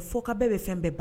Fo ka bɛɛ bɛ fɛn bɛɛ